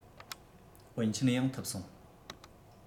དཔོན ཆེན ཡང ཐུབ སོང